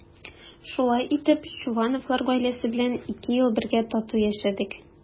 Шулай итеп Чувановлар гаиләсе белән ике ел бергә тату яшәдек.